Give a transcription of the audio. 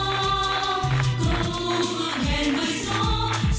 câu ước hẹn